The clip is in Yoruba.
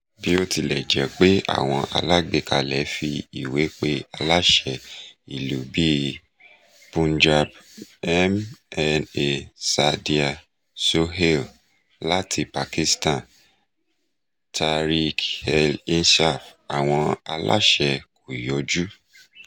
Bí ó tilẹ̀ jé pé àwọn alágbèékalẹ̀ fi ìwé pe aláṣẹ ìlú, bí i Punjab MNA Saadia Sohail láti Pakistan Tehreek e Insaf, àwọn aláṣẹ kò yọjú.